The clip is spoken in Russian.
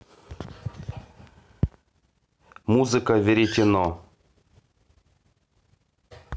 музыка веретено